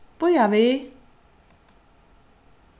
bíða við